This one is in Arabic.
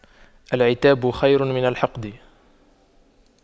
العتاب خير من الحقد